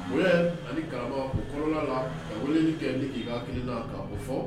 U ye ani karamɔgɔ o kolola la ka wolo ni kɛ ni i ka kelen na ka o fɔ